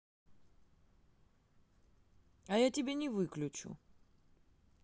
а я тебя не выключу